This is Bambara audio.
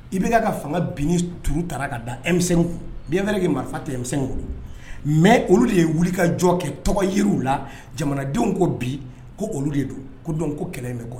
IBK ka fanga binni turu tara ka da M5 kun bien vrai que marifa tɛ M5 bolo, mais olu de ye wulikajɔ kɛ tɔgɔ yer'u la, jamanadenw ko bi ko olu de don ko donc ko kɛlɛ bɛ